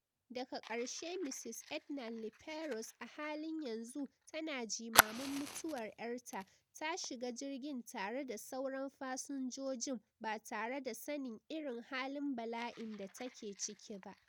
Daka karshe Mrs Ednan-Laperouse, a halin yanzu tana jimamin mutuwar ‘yar ta, ta shiga jirgin tare da sauran fasinjojin- ba tare da sanin irin halin bala’in da take ciki ba.